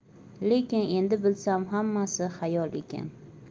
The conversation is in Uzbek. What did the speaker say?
lekin endi bilsam xammaso xayol ekan